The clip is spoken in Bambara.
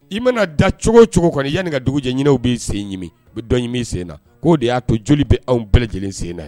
I mana da cogo cogo kɔnɔ yanni ka dugu jɛ ɲinininaw bɛ senmi dɔn sen na k'o de y'a to joli bɛ anw bɛɛ lajɛlen sen na